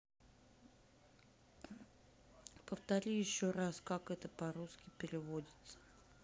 повтори еще раз как это по русски переводиться